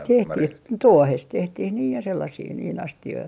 tehtiin tuohesta tehtiin niin ja sellaisia niin astioita